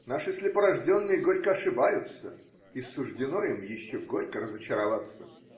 Наши слепорожденные горько ошибаются, и суждено им еще горько разочароваться.